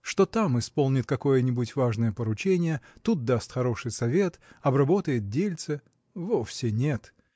что там исполнит какое-нибудь важное поручение тут даст хороший совет обработает дельце – вовсе нет!